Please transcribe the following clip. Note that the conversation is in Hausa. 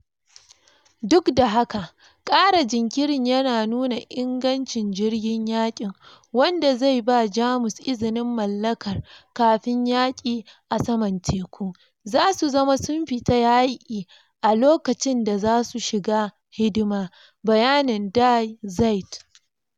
Duk da haka, kara jinkirin yana nuna ingancin jirgin yaƙin - wanda zai ba Jamus izinin malakar karfin yaki a saman teku - zasu zama sun fita yayi a lokacin da za su shiga hidima, bayanin Die Zeit.